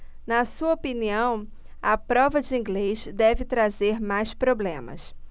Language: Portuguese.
na sua opinião a prova de inglês deve trazer mais problemas